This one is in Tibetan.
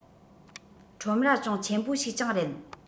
ཁྲོམ ར ཅུང ཆེན པོ ཞིག ཀྱང རེད